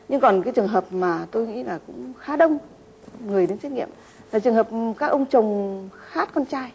nhưng còn cái trường hợp mà tôi nghĩ là cũng khá đông người đến xét nghiệm là trường hợp các ông chồng khát con trai